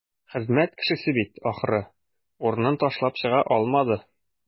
Хезмәт кешесе бит, ахры, урынын ташлап чыга алмады.